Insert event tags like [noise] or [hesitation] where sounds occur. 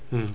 [hesitation] [hesitation]